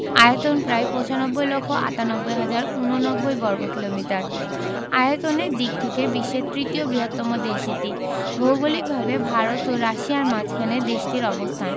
আয়তন প্রায় ৯৫ লক্ষ ৯৮ হাজার ৮৯ বর্গকিলোমিটার আয়তনের দিক থেকে বিশ্বের তৃতীয় বৃহত্তম দেশ এটি ভৌগলিকভাবে ভারত ও রাশিয়ার মাঝখানে দেশটির অবস্থান